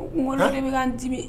N de bɛ ka n dibi